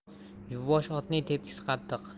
yuvvosh otning tepkisi qattiq